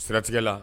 Siratigɛ la